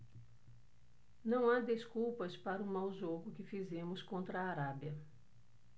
não há desculpas para o mau jogo que fizemos contra a arábia